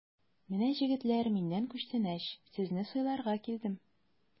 Менә, җегетләр, миннән күчтәнәч, сезне сыйларга килдем!